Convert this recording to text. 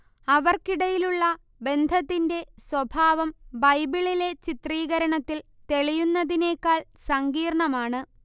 അവർക്കിടയിലുള്ള ബന്ധത്തിന്റെ സ്വഭാവം ബൈബിളിലെ ചിത്രീകരണത്തിൽ തെളിയുന്നതിനേക്കാൾ സങ്കീർണ്ണമാണ്